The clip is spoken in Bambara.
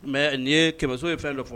Mɛ nin'i ye kɛmɛso ye fɛn dɔ fɔ